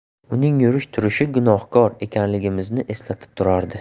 uning yurish turishi gunohkor ekanligimizni eslatib turardi